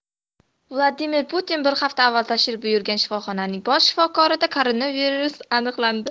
vladimir putin bir hafta avval tashrif buyurgan shifoxonaning bosh shifokorida koronavirus aniqlandi